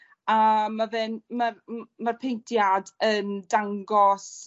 a ma' fe'n ma'r m- ma'r peintiad yn dangos